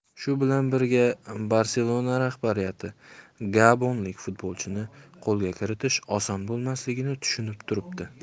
shu bilan birga barselona rahbariyati gabonlik futbolchini qo'lga kiritish oson bo'lmasligini tushunib turibdi